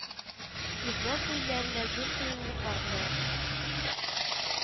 Европа илләрендә зур кыенлыклар белән